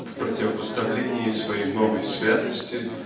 в противопоставлении своей новой святости